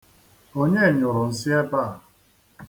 Onye nyụrụ nsị ebe a?